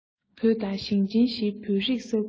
བོད དང ཞིང ཆེན བཞིའི བོད རིགས ས ཁུལ གྱི